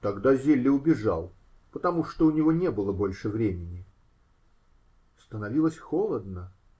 тогда Зилли убежал, потому что у него не было больше времени. Становилось холодно.